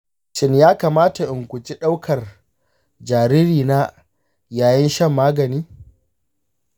shin ya kamata in guji ɗaukar jaririna yayin shan magani?